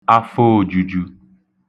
afọōjūjū